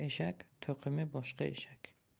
eshak to'qimi boshqa eshak